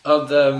Ond yym.